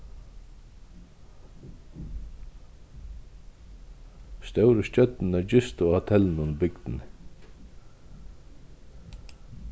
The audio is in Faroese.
stóru stjørnurnar gistu á hotellinum í bygdini